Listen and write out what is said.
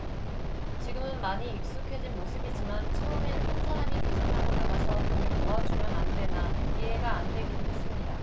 지금은 많이 익숙해진 모습이지만 처음엔 한 사람이 계산하고 나가서 돈을 모아주면 안되나 이해가 안되기도 했습니다